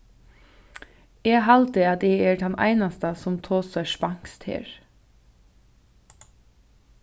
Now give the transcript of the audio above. eg haldi at eg eri tann einasta sum tosar spanskt her